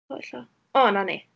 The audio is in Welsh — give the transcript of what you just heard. O ella. O 'na ni.